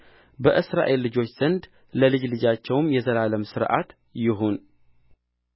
በእስራኤል ልጆች ዘንድ ለልጅ ልጃቸው የዘላለም ሥርዓት ይሁን